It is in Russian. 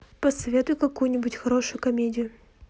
посоветуй какую нибудь хорошую комедию